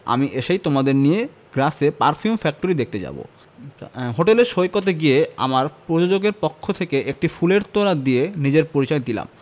আমি এসেই তোমাদের নিয়ে গ্রাসে পারফিউম ফ্যাক্টরি দেখতে যাবো হোটেলের সৈকতে গিয়ে আমার প্রযোজকের পক্ষ থেকে একটি ফুলের তোড়া দিয়ে নিজের পরিচয় দিলাম